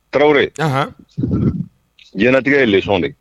Tarawele, anhan, diɲɛlatigɛ ye leçon de ye.